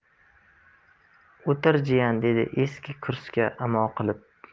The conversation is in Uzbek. o'tir jiyan dedi eski kursiga imo qilib